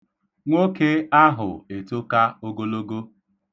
Nwoke ahụ etoka ogologo.